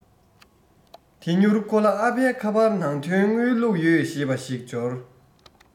དེ མྱུར ཁོ ལ ཨ ཕའི ཁ པར ནང དོན དངུལ བླུག ཡོད ཞེས པ ཞིག འབྱོར